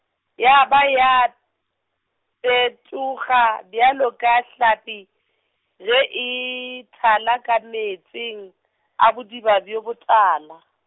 ya ba ya, phetoga bjalo ka hlapi, ge e thala ka meetseng, a bodiba bjo botala.